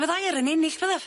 Fyddai ar yn enill bydda.